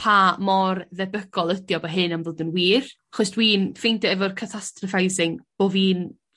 pa mor ddebygol ydi o bo' hyn am fod yn wir 'chos dwi'n ffeindio efo'r catastrophising bo' fi'n...